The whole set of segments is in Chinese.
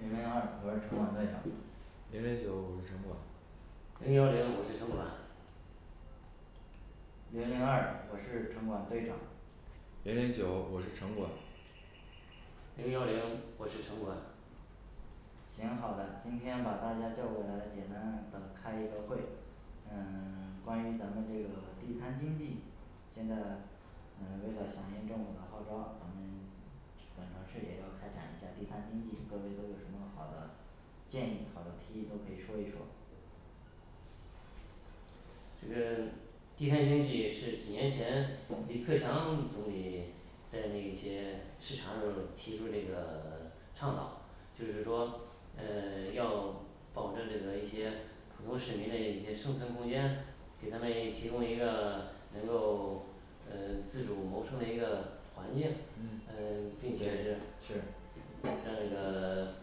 零零二我是城管队长零零九我是城管零幺零我是城管零零二我是城管队长零零九我是城管零幺零我是城管行好的，今天把大家叫过来，简单地开一个会，嗯 关于咱们这个地摊经济现在嗯为了响应政府的号召，咱们本城市也要开展一下地摊经济各位都有什么好的建议，好的提议都可以说一说这个地摊经济是几年前李克强总理在那些视察时候提出这个 倡导就是说呃 要保证这个一些普通市民嘞一些生存空间给他们也提供一个能够嗯自主谋生的一个环境嗯呃并且这个是让这个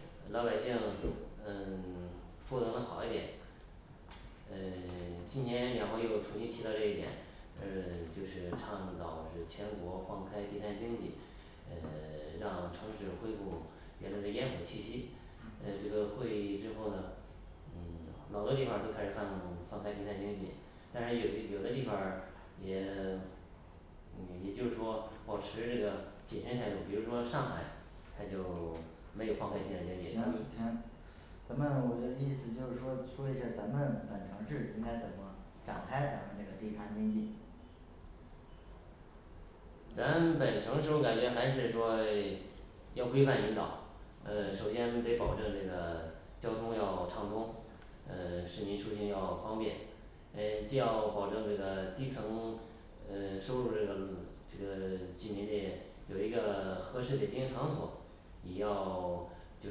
老百姓嗯 过的更好一点嗯 今年两会又重新提到这一点，嗯就是倡导是全国放开地摊经济嗯 让城市恢复原来的烟火气息嗯嗯这个会议之后呢它就 没有放开地摊经济停停咱们我觉得意思就是说说一下儿咱们本城市应该怎么展开咱们这个地摊经济咱本城市我感觉还是说要规范引导，呃首先得保证这个交通要畅通呃市民出行要方便，嗯既要保证这个低层呃收入这个 这个居民地有一个 合适的经营场所也要 就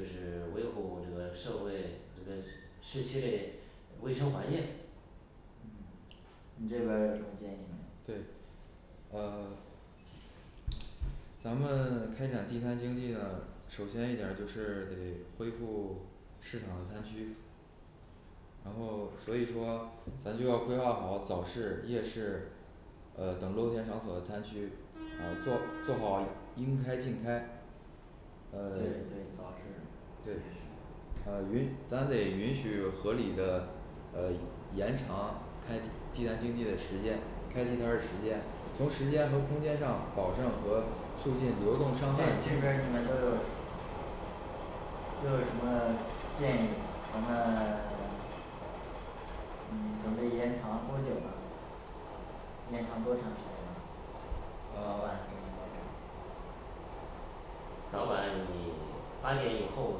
是维护这个社会这个市 市区嘞卫生环境嗯你这边儿有什么建议没对呃咱们开展地摊经济呢，首先一点儿就是得恢复市场的摊区然后所以说咱就要规划好早市夜市呃等露天场所的摊区，啊做做好应开尽开对对呃早市对呃允咱得允许合理的呃延长开地摊经济的时间，开地摊儿时间，从时间和空间上保证和促进流动这商贩这边儿你们都有都有什么建议什么 嗯准备延长多久呢延长多长时间啊早晚你 八点以后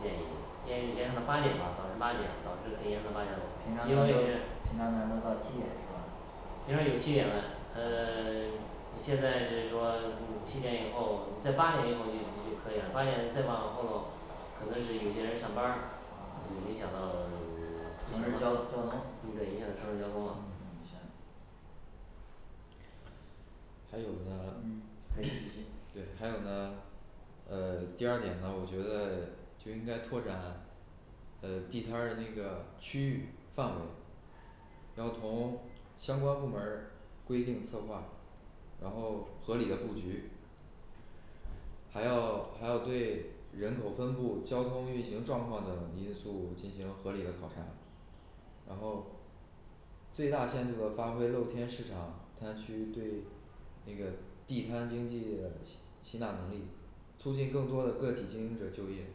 建议建议延长到八点吧早晨八点，早晨可以延长到八点平常钟，你因们为都是平常你们都到七点是吧平常有七点的，嗯 现在是说嗯七点以后在八点以后就 就可以了，八点再往后咯，可能是有些人上班儿，影响到 城市对，影响到城市交交通交通嗯嗯了行还有的呢嗯可以继续对还有呢呃第二点呢我觉得就应该拓展呃地摊儿那个区域范围要同相关部门儿规定策划，然后合理的布局还要还要对人口分布，交通运行状况等因素进行合理的考察然后最大限度地发挥露天市场摊区对那个地摊经济的吸吸纳能力，促进更多的个体经营者就业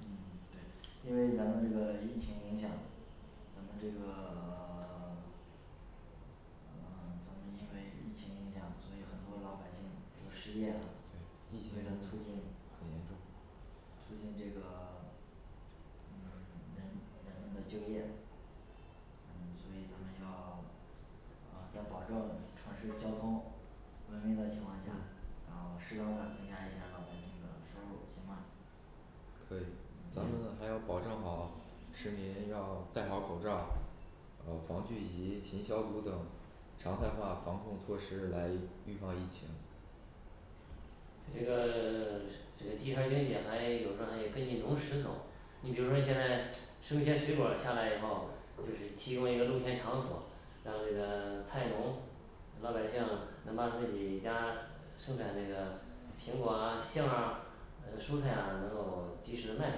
嗯对，因为咱们这个疫情影响，咱们这个 嗯咱们因为疫情影响，所以很多老百姓都失业了对为了促进很严重促进这个 嗯人人们的就业嗯所以咱们要啊在保证城市交通文明的情况下对，然后适当的增加一下老百姓的收入，行吗可以，咱们还要保证好市民要戴好口罩，然后防聚集勤消毒等常态化防控措施来预防疫情让那个菜农老百姓能把自己家生产那个苹果啊杏啊嗯蔬菜啊能够及时的卖出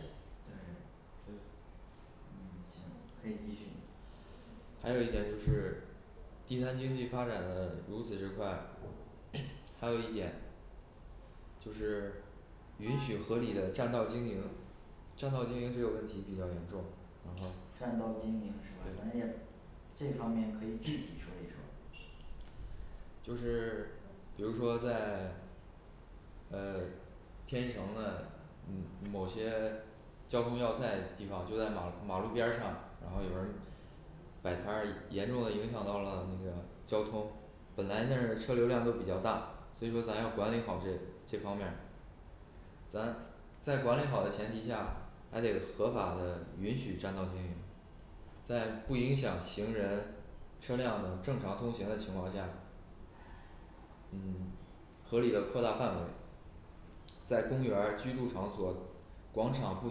去嗯对嗯行可以继续还有一点就是地摊经济发展的如此之快。 还有一点就是允许合理的占道经营。占道经营这个问题比较严重，然后占道经营是吧？咱也对这方面可以具体说一说就是比如说在 呃天一城的嗯某些交通要塞的地方就在马马路边儿上，然后有人摆摊儿严重的影响到了那个交通。本来那儿车流量都比较大，所以说咱要管理好这这方面儿咱在管理好的前提下，还得合法的允许占道经营在不影响行人车辆的正常通行的情况下嗯合理的扩大范围，在公园儿居住场所、广场步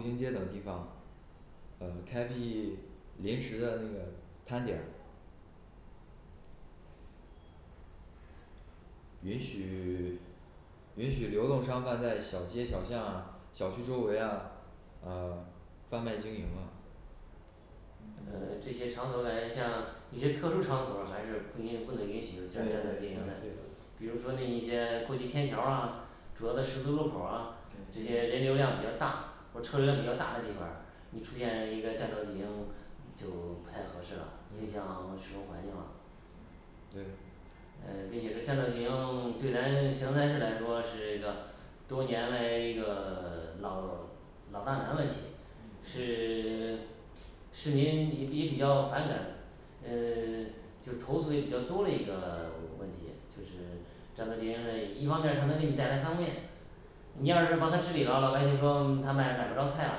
行街等地方呃开辟临时的那个摊点儿嗯嗯这些场所感觉像一些特殊场所儿还是不允不能允许就占占对道儿经营的对。 比如说那一些过街天桥儿啊主要的十字路口儿啊，这对些人流量比较大或车流量比较大的地方儿，你出现一个占道经营就不太合适了，影响市容环境了对呃并且这占道经营， 对咱邢台市来说是一个多年来一个 老 老大难问题是 市民也比也比较反感呃 就投诉也比较多嘞一个 问题。就是占道经营嘞一方面儿它能给你带来方便你要是把它治理了，老百姓说他买买不着菜啦，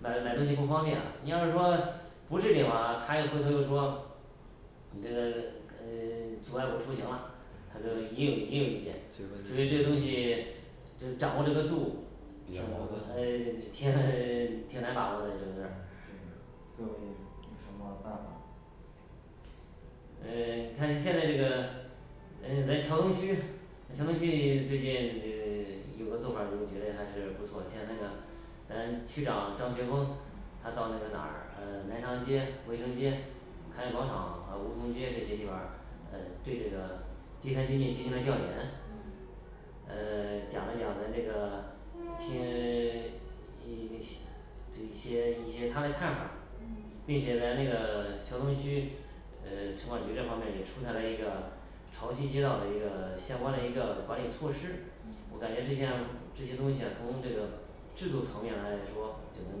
买买东西不方便啦，你要是说不治理吧，他又回头又说你这个呃 阻碍我出行啦，他就也有也有意见，所所以以说这个东西就掌握这个度是呃挺呃 挺难把握的这个事儿对各位有什么办法呃看现在这个人 人桥东区，桥东区最近呃 有个做法儿我觉得还是不错，像那个咱区长张学峰他到那个哪儿呃南长街卫生街开广场和梧桐街这些地方儿，呃对这个地摊经济进行了调研呃 讲了讲咱这个 听 一西 这一些一些他嘞看法儿，&嗯&并且咱那个桥东区呃城管局这方面也出台了一个潮汐街道的一个相关的一个管理措施。我感觉这项这些东西呀从这个制度层面来说，就能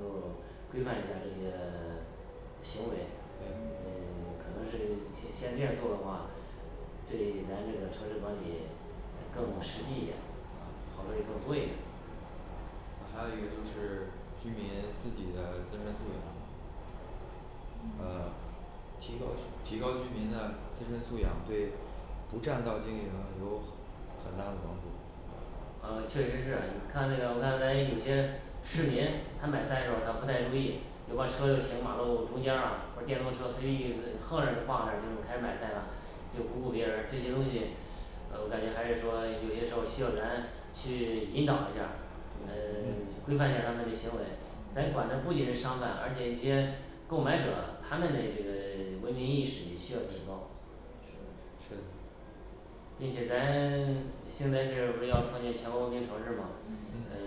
够规范一下这些 行为&嗯对嗯 可能是像这样做的话，对咱这个城市管理更实际一点啊，好的也更多一点儿啊还有一个就是居民自己的自身素养嗯呃提高提高居民的自身素养，对不占道经营有很大的帮助呃我感觉还是说有些时候需要咱去引导一下儿，呃对 鼓规励一下儿范一下儿他们的这个行为咱嗯管的不仅是商贩，而且一些购买者他们的这个文明意识也需要提高对是是嗯嗯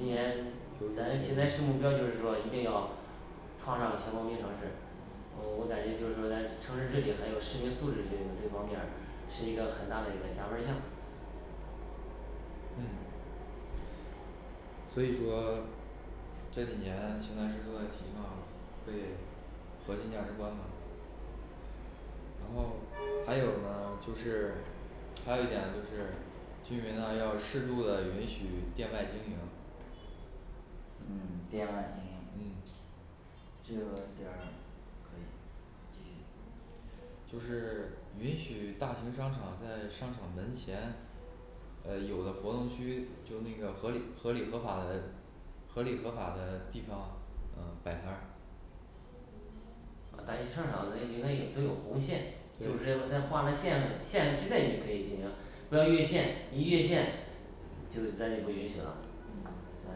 嗯我我感觉就是说咱城市治理还有市民素质这这方面儿是一个很大的一个加分儿项嗯所以说这几年邢台市都在提倡背核心价值观嘛然后还有呢就是还有一点就是，居民呢要适度的允许店外经营嗯店外经营嗯这个点儿可以就是 允许大型商场在商场门前呃有的活动区就那个合理合理合法的合理合法的地方嗯摆摊儿嗯大型商场那应该有都有红线，就是对有在划那线嘞线之内你可以进行，不要越线一越线，就那就不允许了嗯咱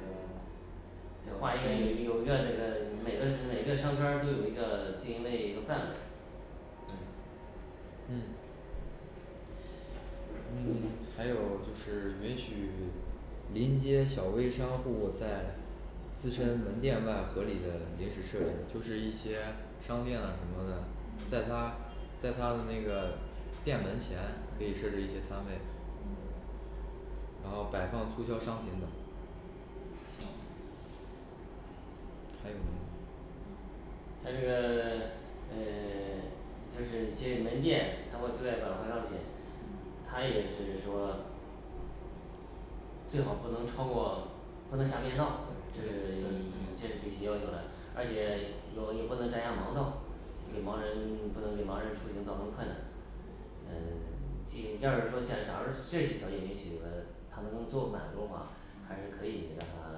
这个就画一个有有一个那个每个每个商圈儿都有一个经营嘞一个范围。对嗯嗯还有就是允许临街小微商户在自身门店外合理的临时设置，就是一些商店啊什么的，在嗯他在他的那个店门前可以设置一些摊位嗯然后摆放促销商品等还有没有他这个 呃 就是一些门店他会对外倒换商品，嗯他也是说最好不能超过不能下便道，这对是你对这是必须对要对求的是，而且也要也不能占人家盲道，给盲对人不能给盲人出行造成困难呃 既要是说像假如这几条儿原因取求的他们能做满足的话还是嗯可以让他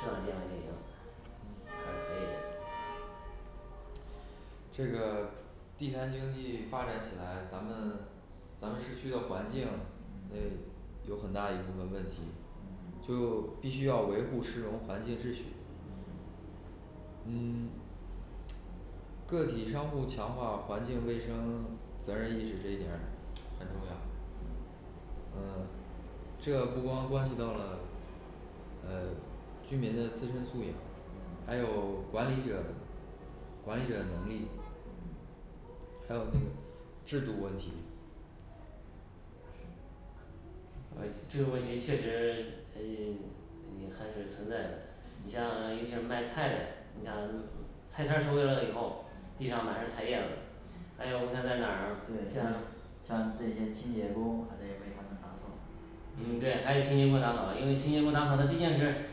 设上店外经营嗯还可以的这个地摊经济发展起来，咱们咱们市区的环境会嗯有很大一部分问题嗯就必须要维护市容环境秩序嗯 个体商户强化环境卫生责任意识这一点儿很重要嗯这不光关系到了呃居民的自身素养，嗯还有管理者管理者能力嗯还有就是制度问题啊这个问题确实呃也 也还是存在的，你像一些卖菜的，你像菜摊儿出去了以后，地上满是菜叶子还有我想在哪儿对像像这些清洁工还得为他们打扫嗯对，还得清洁工打扫，因为清洁工打扫他毕竟是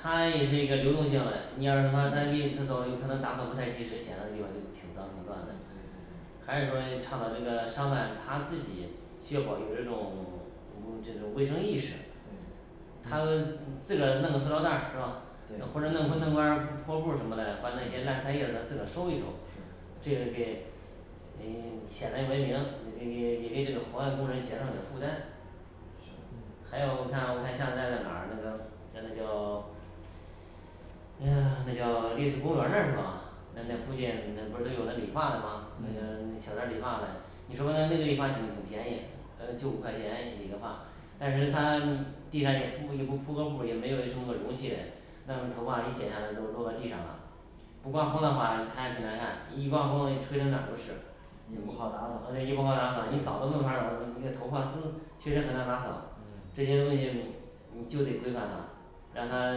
他也是一个流动性嘞，你要是他他离职走有可能打扫不太及时，显的地方就挺脏挺嗯对乱的还是说倡导这个商贩他自己确保有这种有没有这种卫生意识对他的自个儿弄个塑料袋儿是吧？或对者弄个弄块儿破布儿什么的，把那些烂菜叶子自个收一收是这个给嗯显的文明也给这个环卫工人减少点儿负担行嗯还有你看我看像在在哪儿那个在那叫哎呀那叫历史公园儿那儿是吧？那在附近那不是都有那理发的嘛那个嗯那小店儿理发嘞，你说的那个理发挺便宜，呃就五块钱理个发但是她地上也铺也不铺个布儿也没有一什么容器嘞，那么头发一剪下来都落到地上啦不刮风的话你看挺难看，一刮风一吹的哪儿都是也不好嗯打扫啊对也不好打扫一扫都没法儿扫，因为头发丝确实很难打扫，这嗯些东西你就得规范他让他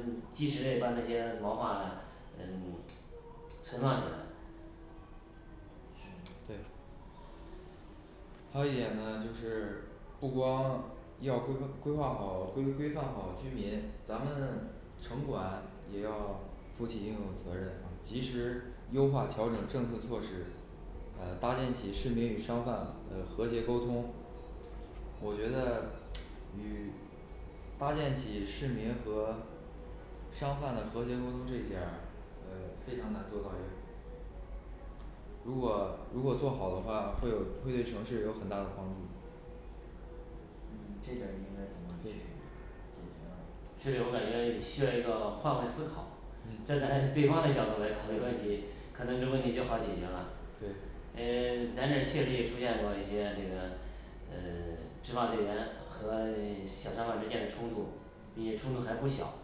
及时嘞把那些毛发啦嗯存放起来是对还有一点呢，就是不光要规范 规划好规规范好居民，咱们城管也要负起应有的责任啊及时优化调整政策措施，呃搭建起市民与商贩呃和谐沟通我觉得与搭建起市民和商贩的和谐沟通这一点儿呃非常难做到这个如果如果做好的话会有会对城市有很大的帮助嗯这点儿应该怎么去解对决啊这里我感觉有需要一个换位思考，嗯站在对方的角度来考虑问题，可能这问题就好解决啦对呃 咱这确实也出现过一些这个呃 执法队员和 小商贩儿之间的冲突，并且冲突还不小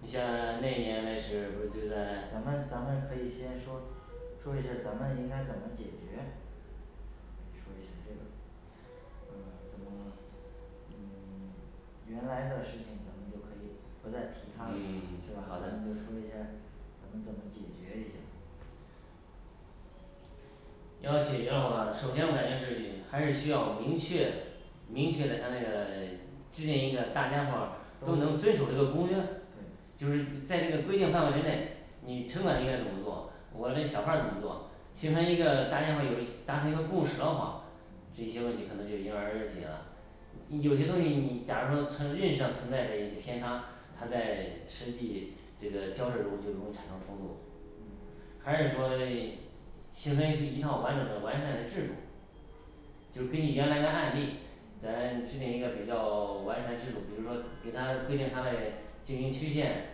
你像那年嘞是不是就在咱们咱们可以先说说一下儿咱们应该怎么解决说一下这个嗯怎么嗯 原来的事情咱们就可以不再提它了嗯是好吧嘞咱们就说一下儿咱们怎么解决一下要解决的话，首先我感觉治理还是需要明确，明确了它那个 制定一个大家伙儿都都能能遵守的一个公约对就是在这个规定范围之内，你城管应该怎么做，我这小贩儿怎么做，形成一个大家伙儿有一达成一个共识的话这些问题可能就迎刃而解了，有些东西你假如说从认识上存在着一偏差，他在实际这个交流中就容易产生冲突还是说一形成一套完整的完善的制度就根据原来的案例咱制定一个比较完善制度，比如说给他规定他嘞经营区限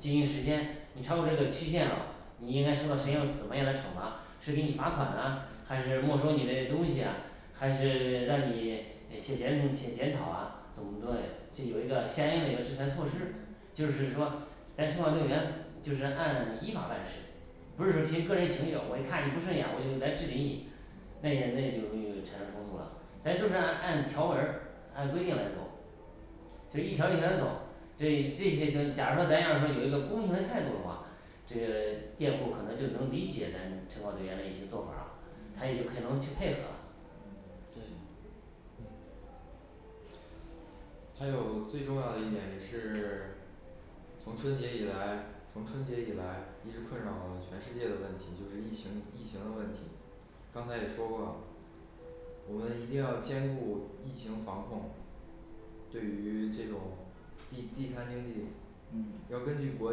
经营时间你超过这个期限咯，你应该收到谁要怎么样的惩罚，是给你罚款呢还是没收你嘞东西呀还是让你诶写检写检讨啊怎么做嘞，就有一个相应嘞一个制裁措施嗯，就是说咱城管队员就是按依法办事不是凭个人情绪哦，我一看你不顺眼我就来治理你，那也那也就容易产生冲突啦，咱就是按按条文儿按规定来走就一条儿一条儿嘞走，这这些跟假如说咱要是说有一个公平嘞态度的话，这个店铺可能就能理解咱们城管队员的一些做法儿啦，他也就可能去配合啦嗯对嗯还有最重要的一点也是 从春节以来，从春节以来一直困扰着全世界的问题，就是疫情疫情的问题刚才也说过，我们一定要兼顾疫情防控，对于这种地地摊经济嗯要根据国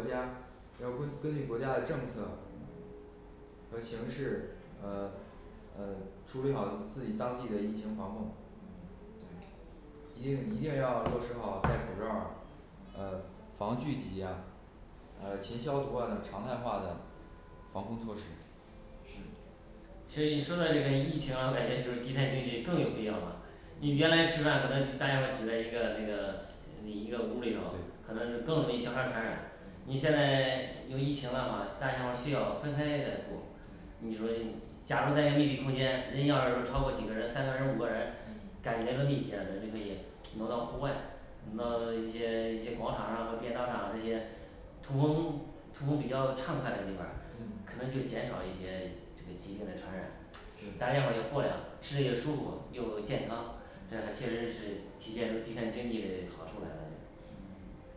家要根 根据国家的政策和形式，呃呃处理好自己当地的疫情防控对一定一定要落实好戴口罩儿，呃防聚集呀、呃勤消毒啊等常态化的防控措施。是其实一说到这个疫情啊，我感觉就是地摊济更有必要啦，你原来吃饭可能大家伙儿挤在一个那个你一个屋儿里头对可能是更容易交叉传染你现在有疫情了嘛，大家伙儿需要分开来做，你说假如在密闭空间，人要是说超过几个人三个人五个人嗯感觉到密集啦咱就可以挪到户外，挪到一些一些广场上或电商场这些通风通风比较畅快嘞地方儿，嗯可能就减少一些这个疾病的传染是大家伙儿又豁亮吃的又舒服又健康，这个嗯确实是体现出地摊儿经济嘞好处来了就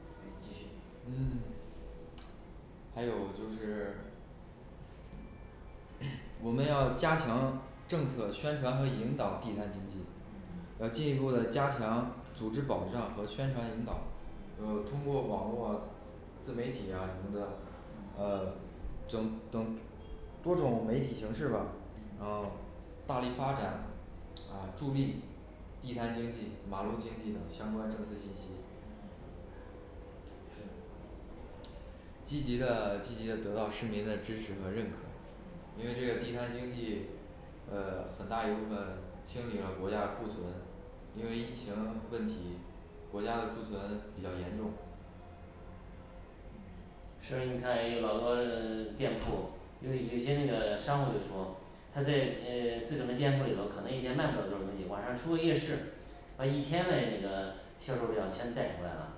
可以继续嗯还有就是我们要加强政策宣传和引导，地摊经济要进一步的加强组织保障和宣传引导就嗯通过网络自媒体啊什么的，嗯呃等等多种媒体形式吧，然后大力发展啊助力地摊经济、马路经济等相关政策信息是积极的积极的得到市民的支持和认可。因为这个地摊经济呃很大一部分清理了国家库存，因为疫情问题，国家的库存比较严重所以你看有老多 店铺，有有些那个商户就说他在呃自个儿的店铺里头可能一天卖不了多少东西，晚上出个夜市把一天嘞那个销售量全带出来了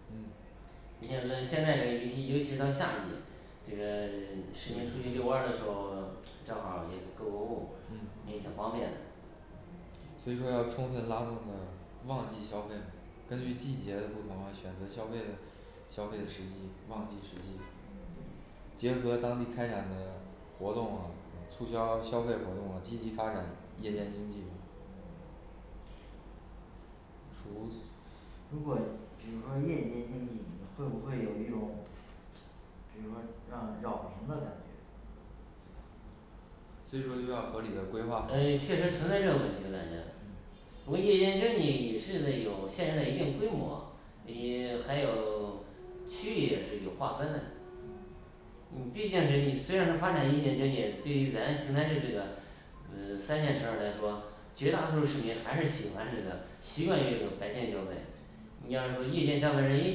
嗯你像在现在这尤其尤其是到夏季，这个市对民出去遛嗯弯儿的时候，正好儿也购购物，也挺方便的所以说要充分拉动的旺季消费，根据季节的不同来选择消费的消费的时机旺季时机嗯结合当地开展的活动啊促销消费活动啊，积极发展夜间经济吧嗯除如果比如说夜间经济会不会有一种比如说让扰民的感觉所以说就要合理的规划好诶确实存在这个问题我感觉从夜间经济也是得有现在一定规模，嗯也还有区域也是有划分的你毕竟是你虽然说发展夜间经济，对于咱邢台市这个嗯三线城市来说，绝大多数市民还是喜欢这个习惯于这个白天消费你要是说夜间消费人也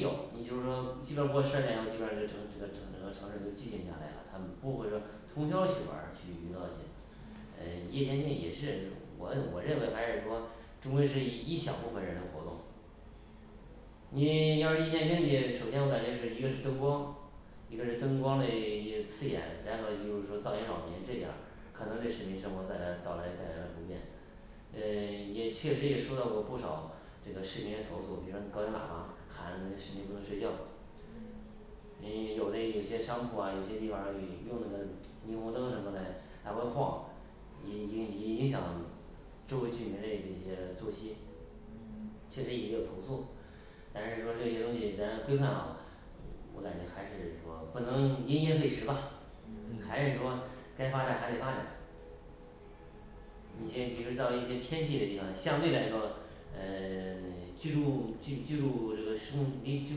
有，你就是说基本过十二点以后，基本上这个城这个城整个城市就寂静下来了，他们不会说通宵去玩儿去娱乐去。嗯夜间经济也是，我我认为还是说终归是一小部分人嘞活动你 要是意见分歧，首先我感觉是一个是灯光，一个是灯光嘞一个刺眼，然后就是说到也老年这点儿可能对市民生活带来到来带来了不便呃 也确实也收到过不少这个市民的投诉，比如说你高音喇叭喊的市民不能睡觉你有嘞有些商铺啊有些地方儿用那个霓虹灯什么嘞，它会晃影影影影响周围居民嘞一些作息嗯确实也有投诉，但是说这些东西咱规范了我感觉还是说不能因噎废食吧嗯，嗯还是说该发展还得发展一些比如到一些偏僻的地方，相对来说嗯 居住居居住这个施工离居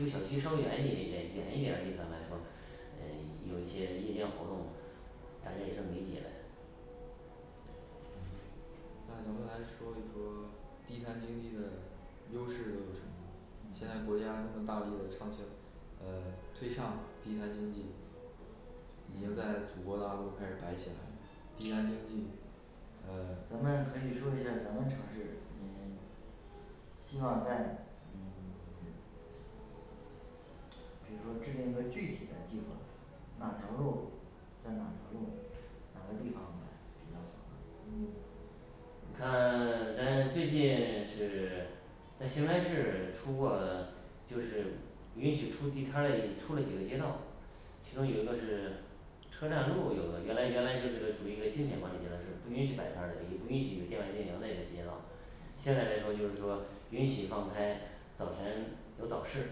住小区稍远一点远远一点的地方来说，诶有一些一些活动大家也能理解嘞那咱们来说一说地摊经济的优势都有什么，现在国家这么大力的畅销 呃推畅地摊经济已经在祖国大陆开始摆起来了，地摊经济呃咱们可以说一下咱们城市嗯希望在嗯 比如说制定一个具体的计划，哪条路儿在哪条路，哪个地方摆比较好管理嗯其中有一个是车站路，有的原来原来就是个属于一个精选管理阶段，是不允许摆摊儿的，也不允许有店外经营嘞个街道现在来说就是说允许放开，早晨有早市，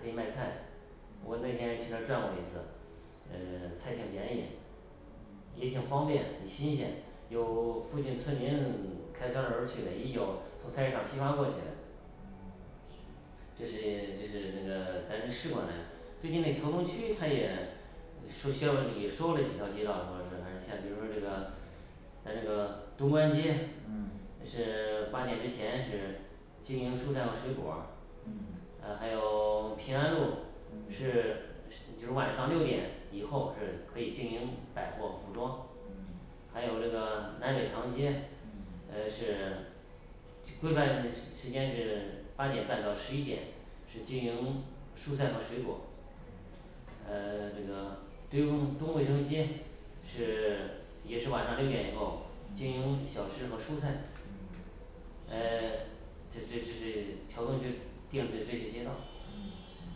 可以卖菜我嗯那天去那儿转过一次，嗯菜挺便宜也挺方便很新鲜有附近村民开三轮儿去嘞，也有从菜市场批发过去嘞嗯行就是就是那个咱那市管嘞最近那桥东区它也说需要也说了几条街道是吧还是像比如说这个在那个东关街嗯嗯是八点之前是经营蔬菜和水果儿嗯啊还有 平安路嗯是是 比如晚上六点以后是可以经营百货服装嗯还有这个南北长街嗯呃是去 规范时间是八点半到十一点是经营蔬菜和水果呃这个东 东卫生街是也是晚上六点以后经嗯营小吃和蔬菜嗯诶这这这这桥东区定的这些街道嗯行